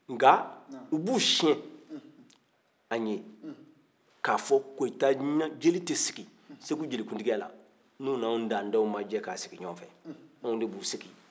nka u b'u siyɛn an ye ka fɔ koyita jeli tɛ sigi segu jelikuntiyala n'u ni anw dantew ma jɛ ka sigi ɲɔgɔn fɛ anw de b'u sigi